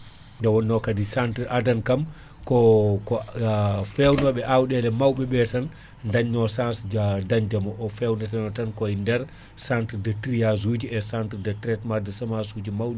nde wonno kaadi centre de: fra aadana kaam ko feewnoɓe awɗeele mawɓeɓe tan dañno chance dañdemo feewneteno tan kooy nder centre de triage uji e centre defra traitement de semence maawɗi ɗi